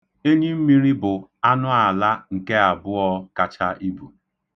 Enyimmiri bụ anụ ala nke abụọ kacha ibu.